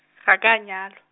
ga ka a nyalo.